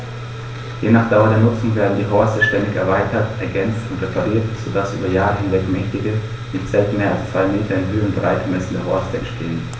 Je nach Dauer der Nutzung werden die Horste ständig erweitert, ergänzt und repariert, so dass über Jahre hinweg mächtige, nicht selten mehr als zwei Meter in Höhe und Breite messende Horste entstehen.